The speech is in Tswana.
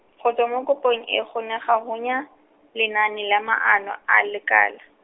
go tswa mo kopong e go ne ga runya, lenaane la maano a lekala.